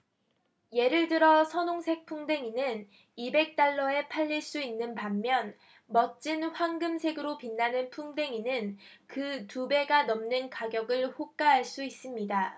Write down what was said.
예를 들어 선홍색 풍뎅이는 이백 달러에 팔릴 수 있는 반면 멋진 황금색으로 빛나는 풍뎅이는 그 두 배가 넘는 가격을 호가할 수 있습니다